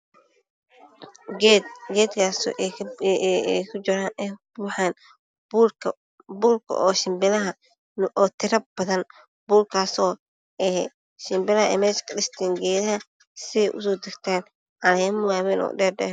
Geed geedkaso ay ka buuxan buulka shimbaraha oo tira badn buulkasoo ay shimbiraha mesha ka dhistaan si ay uso dagtaan calemo wa weyn o dhadheer